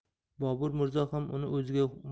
bobur mirzo ham uni o'ziga